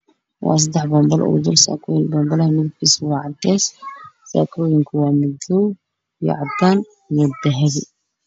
Waa saddeax boonbalo oo dulsaran midibkisa waa cadees soo saagoyinka cadan io dahabi